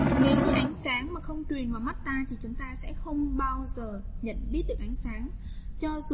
nếu như ánh sáng mà không truyền vào mắt ta thì chúng ta sẽ không bao giờ nhận biết được ánh sáng cho